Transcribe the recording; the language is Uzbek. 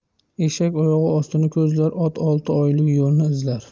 eshak oyog'i ostini ko'zlar ot olti oylik yo'lni izlar